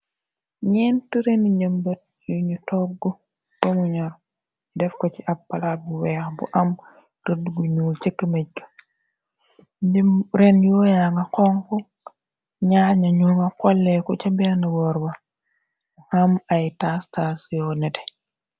ñeent ren njëmbat yu nu togg bë mu ñor def ko ci ab palat bu weex bu am rëd gu ñuul cëkk mej g jrenn yooya nga xonk naar nañu nga xolleeku ca benn woorba ham ay tas-tas yoo nete.